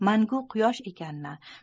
mangu quyosh ekanini